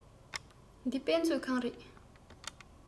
འདི དཔེ མཛོད ཁང རེད